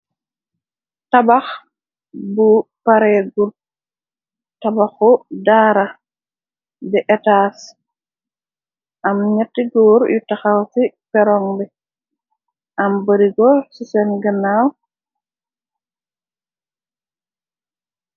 Tabax bu paregul tabaxu daara di etaas am ñetti góor yu taxaw ci peroŋg bi am bërigo ci sen gannaaw.